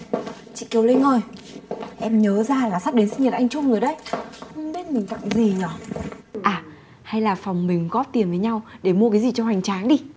chị kiều linh ơi em nhớ ra là sắp đến sinh nhật anh trung rồi đấy không biết mình tặng gì nhở à hay là phòng mình góp tiền với nhau để mua cái gì cho hoành tráng đi